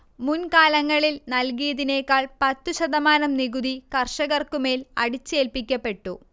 മുൻകാലങ്ങളിൽ നൽകിയതിനേക്കാൾ പത്തുശതമാനം നികുതി കർഷകർക്കുമേൽ അടിച്ചേൽപ്പിക്കപ്പെട്ടു